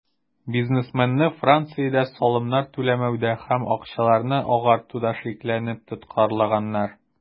Бизнесменны Франциядә салымнар түләмәүдә һәм акчаларны "агартуда" шикләнеп тоткарлаганнар.